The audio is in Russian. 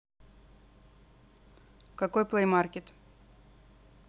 какой play market